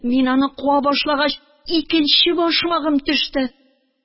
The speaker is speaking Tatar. Мин аны куа башлагач, икенче башмагым төште.